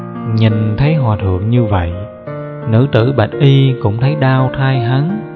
nhìn thấy hòa thượng như vậy nữ tử bạch y cũng thấy đau thay hắn